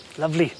Lyfli.